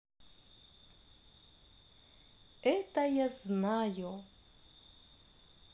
это я знаю